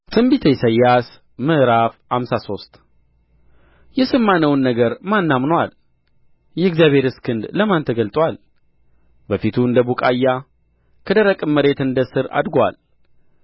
ትንቢተ ኢሳይያስ ምዕራፍ ሃምሳ ሶስት የሰማነውን ነገር ማን አምኖአል የእግዚአብሔርስ ክንድ ለማን ተገልጦአል በፊቱ እንደ ቡቃያ ከደረቅም መሬት እንደ ሥር አድጎአል